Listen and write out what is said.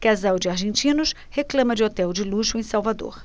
casal de argentinos reclama de hotel de luxo em salvador